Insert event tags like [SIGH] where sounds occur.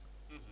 [HESITATION] [HESITATION]